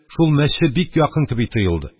Шул мәче бик якын кеби тоелды